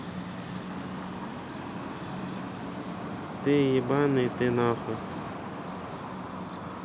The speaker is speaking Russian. ты ебаный ты нахуй